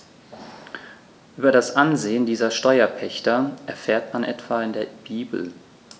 Über das Ansehen dieser Steuerpächter erfährt man etwa in der Bibel.